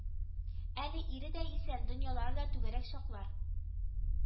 Әле ире дә исән, дөньялары да түгәрәк чаклар